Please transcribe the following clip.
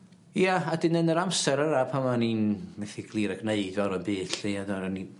Ia a 'dyn yn yr amser yra pan o'n i'n methu glir a gneud byd 'lly odda o'n i